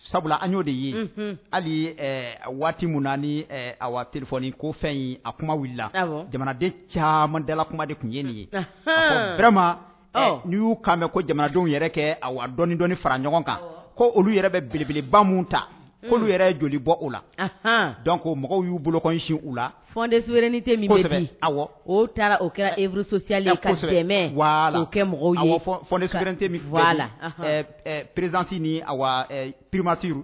Sabula an y'o de ye hali ye waati minnu a terifɔ kofɛn ye a kuma wili la jamanaden caman dalala kuma de tun ye nin yema n'i y'u'a mɛn ko jamanadenww yɛrɛ kɛ dɔnniɔnidɔɔni fara ɲɔgɔn kan ko olu yɛrɛ bɛ belebeleba minnu ta'olu yɛrɛ joli bɔ u la dɔn ko mɔgɔw y'u bolosin u la fɔnden syrin tɛ o taara o kɛra eurusi fɔ fɔnte faa la perezti ni perepmatiuru